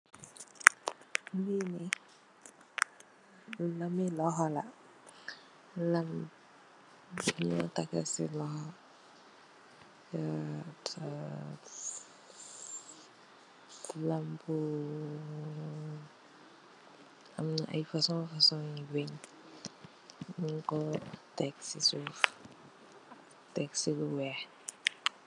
Li nee lami loxox la lam bu nyui taka si loxo lam boo amna ay fosong fosong weng nyun ko tek si soof tek si lu weex.